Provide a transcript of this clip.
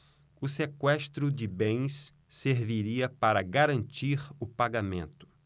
o sequestro de bens serviria para garantir o pagamento